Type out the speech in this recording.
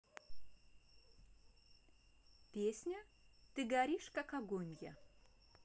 песня ты горишь как огонь я